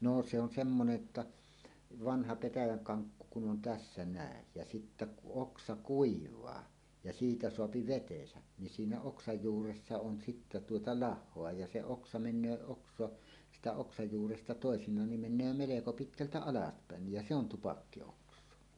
no se on semmoinen jotta vanha petäjän kankku kun on tässä näet ja sitten kun oksa kuivaa ja siitä saa vetensä niin siinä oksan juuressa on sitten tuota lahoa ja se oksa menee oksa sitä oksan juuresta toisinaan niin menee melko pitkältä alaspäin ja se on tupakkioksaa